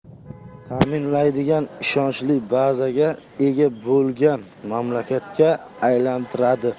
ta'minlaydigan ishonchli bazaga ega bo'lgan mamlakatga aylantiradi